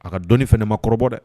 A ka dɔnni fɛnɛ ma kɔrɔbɔ dɛ.